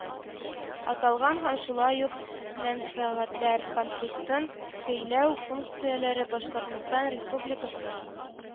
Аталган һәм шулай ук мәнфәгатьләр конфликтын көйләү функцияләре башкортстан республикасы